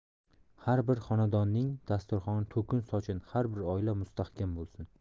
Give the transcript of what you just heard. har bir xonadonning dasturxoni to'kin sochin har bir oila mustahkam bo'lsin